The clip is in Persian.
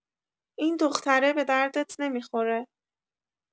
این دختره به دردت نمی‌خوره!